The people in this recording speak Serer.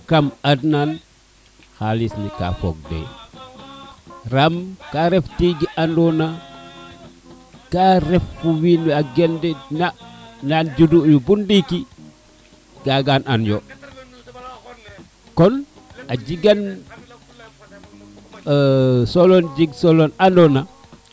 kam ad nan xalis ne ka fog te ram ka ref tig ando na ka ref fo wiin we a gen nan judu u bon ndiiki kagan an yo kon a jegan e% solo jeg solo ando na